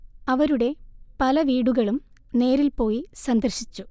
അവരുടെ പല വീടുകളും നേരിൽ പോയി സന്ദര്‍ശിച്ചു